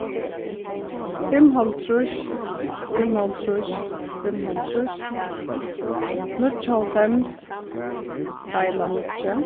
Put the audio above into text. fimmoghálvtrýss fimmoghálvtrýss fimmoghálvtrýss níggjuoghálvfems deila níggju